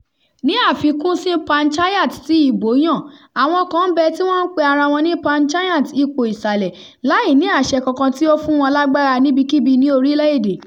Ní àfikùn sí panchayat tí ìbó yàn, àwọn kan ńbẹ tí wọ́n pe ara wọn ní panchayat ipò-ìsàlẹ̀ láì ní àṣẹ kankan tí ó fún wọn lágbara níbikíbi ní orílẹ̀-èdè.